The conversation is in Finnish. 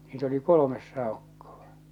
niitä oli kolme saukkoa